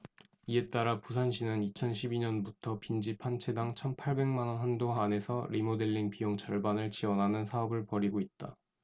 이에 따라 부산시는 이천 십 이 년부터 빈집 한 채당 천 팔백 만원 한도 안에서 리모델링 비용 절반을 지원하는 사업을 벌이고 있다